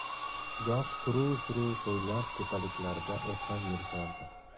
goh suruv suruv qo'ylar tepaliklarda o'tlab yurishardi